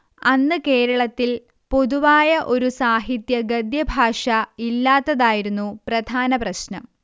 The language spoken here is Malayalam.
അന്ന് കേരളത്തിൽ പൊതുവായ ഒരു സാഹിത്യ ഗദ്യഭാഷ ഇല്ലാത്തതായിരുന്നു പ്രധാന പ്രശ്നം